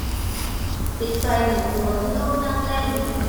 ปิดไฟหนึ่งดวงที่ห้องนั่งเล่น